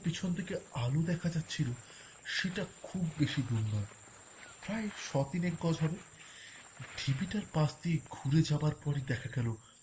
পেছোন থেকে আলো দেখা যাচ্ছিল সেটা খুব বেশি দূর নয় প্রায় শ'খানেক গজ হবে টিভিতে পাশ দিয়ে ঘুরে যাবার পরে দেখা গেল